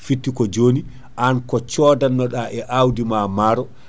fiirti ko joni an ko codannoɗa e awdi ma maaro